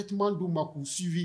E' u ma k'u sibi